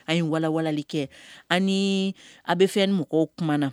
An ye wawali kɛ ani a bɛ fɛ ni mɔgɔw kuma na